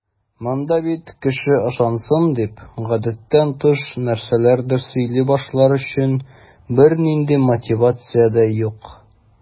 Монда бит кеше ышансын дип, гадәттән тыш нәрсәләрдер сөйли башлар өчен бернинди мотивация дә юк.